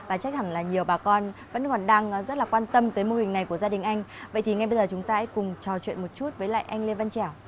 và chắc hẳn là nhiều bà con vẫn còn đang ở rất là quan tâm tới mô hình này của gia đình anh vậy thì ngay bây giờ chúng ta hãy cùng trò chuyện một chút với lại anh lê văn chẻo